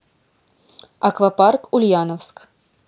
аквапарк ульяновск